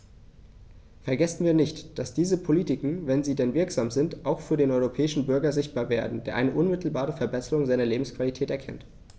Vergessen wir nicht, dass diese Politiken, wenn sie denn wirksam sind, auch für den europäischen Bürger sichtbar werden, der eine unmittelbare Verbesserung seiner Lebensqualität erkennt!